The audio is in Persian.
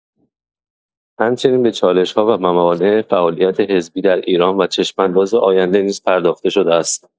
همچنین به چالش‌ها و موانع فعالیت حزبی در ایران و چشم‌انداز آینده نیز پرداخته شده است.